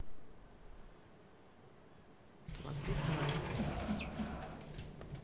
смотри с нами